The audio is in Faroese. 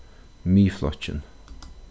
miðflokkin